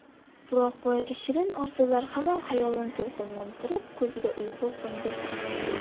biroq boyagi shirin orzular hamon xayolini to'lqinlantirib ko'ziga uyqu qo'ndirmaydi